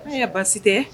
Ayiwa baasi tɛ.